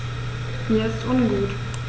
Mir ist ungut.